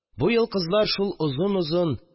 Бу ел кызлар шул озын-озын